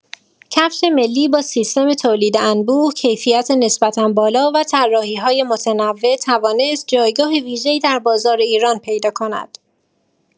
کفش ملی با سیستم تولید انبوه، کیفیت نسبتا بالا و طراحی‌های متنوع توانست جایگاه ویژه‌ای در بازار ایران پیدا کند.